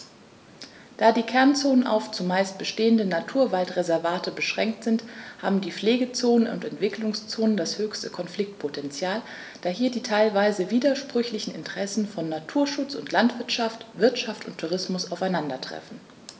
Da die Kernzonen auf – zumeist bestehende – Naturwaldreservate beschränkt sind, haben die Pflegezonen und Entwicklungszonen das höchste Konfliktpotential, da hier die teilweise widersprüchlichen Interessen von Naturschutz und Landwirtschaft, Wirtschaft und Tourismus aufeinandertreffen.